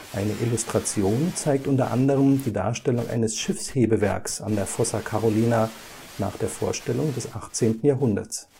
Eine Illustration zeigt unter anderem die Darstellung eines Schiffshebewerks an der Fossa Carolina nach der Vorstellung des 18. Jahrhunderts